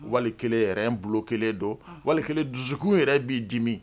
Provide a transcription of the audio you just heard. Wali kelen bulon kelen don wali kelen dusukun yɛrɛ b'i dimi